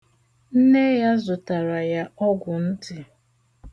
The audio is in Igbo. Nne ya zụtara ya ọgwụ ntị.